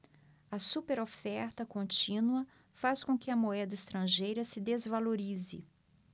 a superoferta contínua faz com que a moeda estrangeira se desvalorize